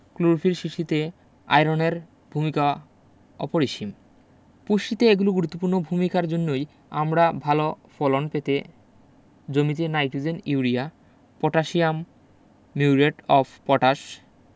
chlorophyll সৃষ্টিতেও আয়রনের ভূমিকা অপরিসীম পুষ্টিতে এগুলোর গুরুত্বপূর্ণ ভূমিকার জন্যই আমরা ভালো ফলন পেতে জমিতে nitrogen urea potassium muriate of potash